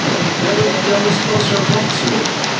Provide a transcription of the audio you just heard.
'Di o'm yn... 'di o'm yn sponsro'r loteri.